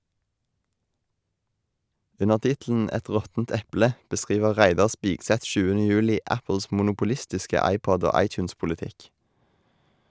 Under tittelen "Et råttent eple" beskriver Reidar Spigseth 7. juli Apples monopolistiske iPod- og iTunes-politikk.